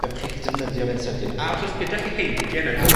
fel bo' chi 'llu defnyddio fe'n sydyn. A os o's gyda chi heintie yn yr ardd,